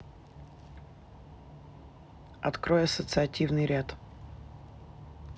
открой ассоциативный ряд